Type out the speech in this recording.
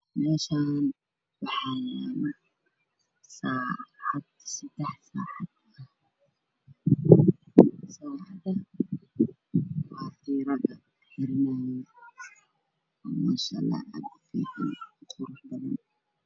Meeshaan waxaa yaalo saacad seddax saacad oo tii raga ah